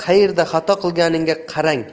qayerda xato qilganingga qarang